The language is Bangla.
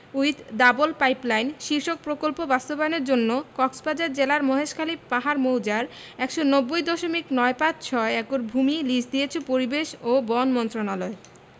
উইথ ডাবল পাইপলাইন শীর্ষক প্রকল্প বাস্তবায়নের জন্য কক্সবাজার জেলার মহেশখালীর পাহাড় মৌজার ১৯০ দশমিক নয় পাঁচ ছয় একর ভূমি লিজ দিয়েছে পরিবেশ ও বন মন্ত্রণালয়